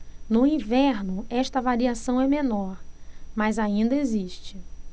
no inverno esta variação é menor mas ainda existe